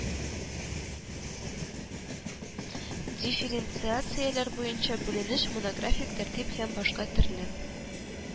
Дифференциацияләр буенча бүленеш, монографик тәртип һәм башка төрле